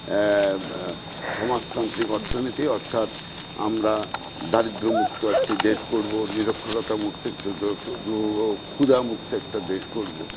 সমাজতান্ত্রিক অর্থনীতি অর্থাৎ আমরা দারিদ্র মুক্ত একটি দেশ গড়বো নিরক্ষরতামুক্ত একটি দেশ গড়বো ক্ষুধামুক্ত একটা দেশ গড়বো